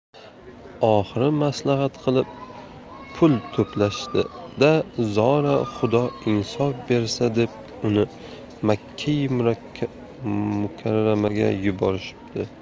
oxiri maslahat qilib pul to'plashibdi da zora xudo insof bersa deb uni makkai mukarramaga yuborishibdi